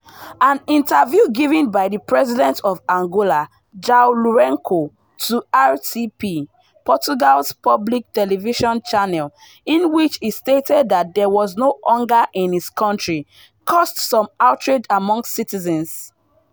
An interview given by the President of Angola João Lourenço to RTP, Portugal’s public television channel, in which he stated that there was no hunger in his country, caused some outrage among citizens.